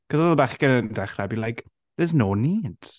'Cause oedd y bechgyn yn dechrau. I'd be like, there's no need!